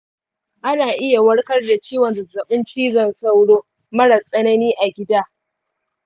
ana iya warkar da ciwon zazzabin cizon sauro mara tsanani a gida